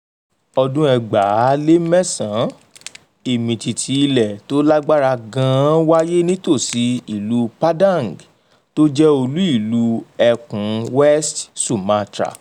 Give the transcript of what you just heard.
Ọdún 2009: Ìmìtìtì ilẹ̀ tó lágbára gan-an wáyé nítòsí ìlú Padang, tó jẹ́ olú ìlú ẹkùn West Sumatra.